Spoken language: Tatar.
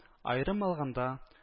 Аерым алганда